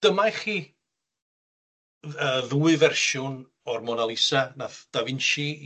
Dyma i chi dd- yy ddwy fersiwn o'r Mona Lisa nath Davinci